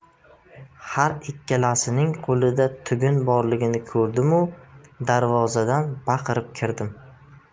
har ikkalasining qo'lida tugun borligini ko'rdimu darvozadan baqirib kirdim